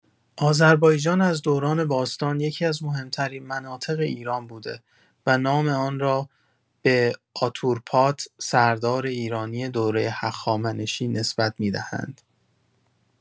آذربایجان از دوران باستان یکی‌از مهم‌ترین مناطق ایران بوده و نام آن را به آتورپات، سردار ایرانی دوره هخامنشی، نسبت می‌دهند.